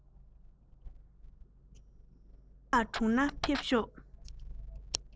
ལྕམ ལགས གྲུང ན ཕེབས ཤོག